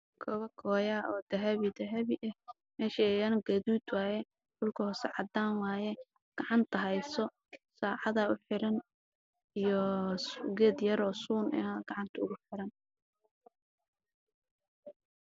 Waa labo kabood oo baabuud midabkoodu yahay madow